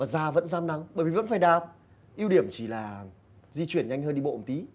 da vẫn rám nắng bởi vì vẫn phải đạp ưu điểm chỉ là di chuyển nhanh hơn đi bộ một tí